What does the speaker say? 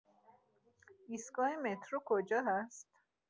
ایستگاه مترو، کجا هست؟